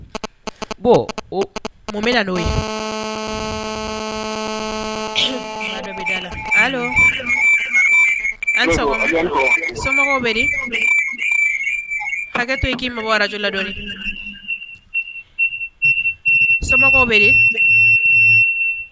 Bon so bɛ hakɛ ii mɔgɔjuladɔn so bɛ